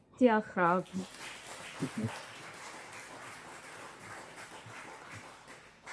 Diolch fawr.